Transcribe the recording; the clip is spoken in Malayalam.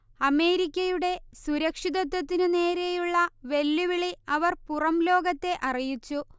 അമേരിക്കയുടെ സുരക്ഷിതത്വത്തിനു നേരെയുള്ള വെല്ലുവിളി അവർ പുറംലോകത്തെ അറിയിച്ചു